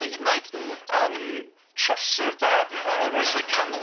A hyd yn oed yym Chaucer de... ia. ...o'r Oesau Canol.